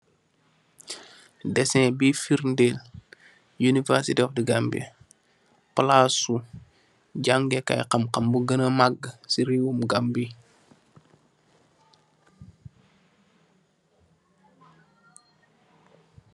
Dehsen bii firr ndell university of the Gambia, plassu jangeh kaii kham kham bu genah mague cii rewum Gambie.